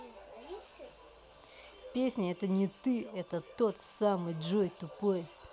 песня это не ты это тот самый джой тупой